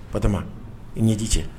Batɔɔma, i ɲɛji cɛ